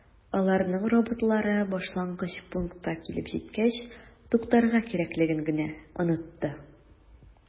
Аларның роботлары башлангыч пунктка килеп җиткәч туктарга кирәклеген генә “онытты”.